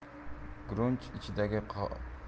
gurunch ichidagi qora